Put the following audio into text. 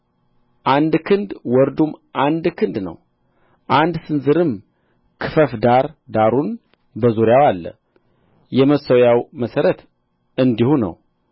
አንድ ክንድ ወርዱም አንድ ክንድ ነው አንድ ስንዝርም ክፈፍ ዳር ዳሩን በዙሪያው አለ የመሠዊያው መሠረት እንዲሁ ነው